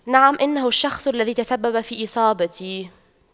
نعم انه الشخص الذي تسبب في إصابتي